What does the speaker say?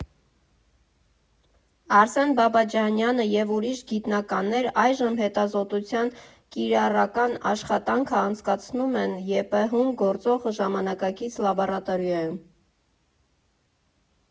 Արսեն Բաբաջանյանը և ուրիշ գիտնականներ այժմ հետազոտության կիրառական աշխատանքը անցկացնում են ԵՊՀ֊ում գործող ժամանակակից լաբորատորիայում։